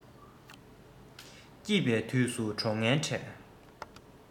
སྐྱིད པའི དུས སུ གྲོགས ངན འཕྲད